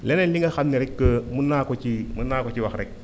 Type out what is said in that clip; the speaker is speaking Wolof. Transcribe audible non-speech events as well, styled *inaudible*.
leneen li nga xam ne rek *hesitation* mën naa ko ci mën naa ko ci wax rek